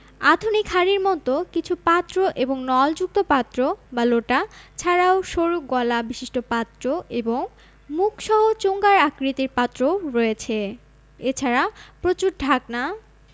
আধুনিক হাড়ির মতো কিছু পাত্র এবং নলযুক্ত পাত্র বা লোটা ছাড়াও সরু গলা বিশিষ্ট পাত্র এবং মুখসহ চোঙার আকৃতির পাত্রও রয়েছে এছাড়া প্রচুর ঢাকনা